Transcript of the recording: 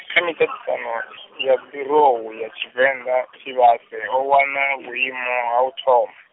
kha miṱaṱisano, ya birou ya Tshivenḓa, Tshivhase o wana vhuimo ha uthoma.